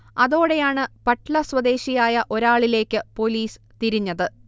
അതോടെയാണ് പട്ള സ്വദേശിയായ ഒരാളിലേക്ക് പോലീസ് തിരിഞ്ഞത്